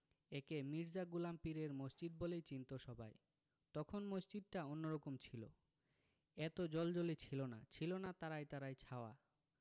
একে মির্জা গোলাম পীরের মসজিদ বলেই চিনতো সবাই তখন মসজিদটা অন্যরকম ছিল এত জ্বলজ্বলে ছিল না ছিলনা তারায় তারায় ছাওয়া